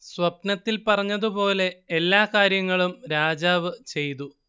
സ്വപ്നത്തിൽ പറഞ്ഞതുപോലെ എല്ലാ കാര്യങ്ങളും രാജാവ് ചെയ്തു